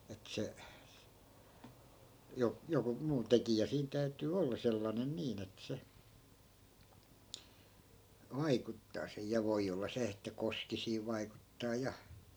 että se - joku muu tekijä siinä täytyy olla sellainen niin että se vaikuttaa se ja voi olla se että koski siinä vaikuttaa ja